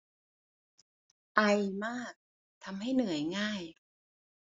ไอมากทำให้เหนื่อยง่าย